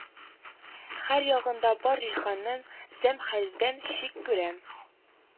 Һәр ягында бар җиһанның зәмһәрирдән чик күрәм